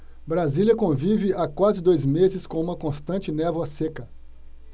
brasília convive há quase dois meses com uma constante névoa seca